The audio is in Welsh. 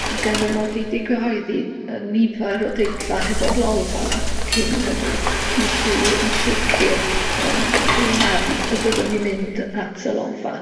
a gan ym mod i 'di cyhoeddi yy nifar o deitla hefo'r Lolfa cyn hynny wnes i yn sicir yym 'ym marn y byddwn i'n mynd at y Lolfa.